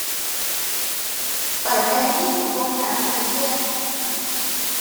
เปิดแอร์ยี่สิบองศาเซลเซียส